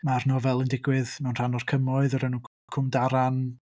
Ma'r nofel yn digwydd mewn rhan o'r Cymoedd o'r enw c- Cwm Daran.